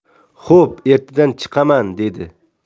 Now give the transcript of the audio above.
xo'p ertadan chiqaman dedi